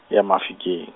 ya Mafikeng.